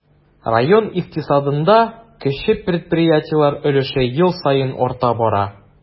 Район икътисадында кече предприятиеләр өлеше ел саен арта бара.